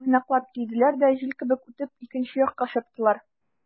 Уйнаклап килделәр дә, җил кебек үтеп, икенче якка чаптылар.